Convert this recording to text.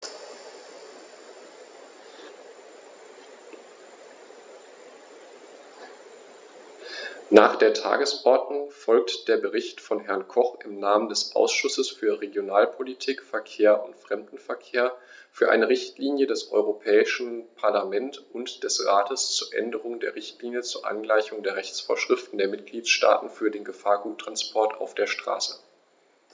Nach der Tagesordnung folgt der Bericht von Herrn Koch im Namen des Ausschusses für Regionalpolitik, Verkehr und Fremdenverkehr für eine Richtlinie des Europäischen Parlament und des Rates zur Änderung der Richtlinie zur Angleichung der Rechtsvorschriften der Mitgliedstaaten für den Gefahrguttransport auf der Straße.